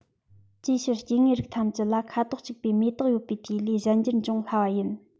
ཅིའི ཕྱིར སྐྱེ དངོས རིགས ཐམས ཅད ལ ཁ དོག གཅིག པའི མེ ཏོག ཡོད པའི དུས ལས གཞན འགྱུར འབྱུང སླ བ ཡིན